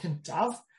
cyntaf